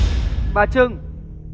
bà trưng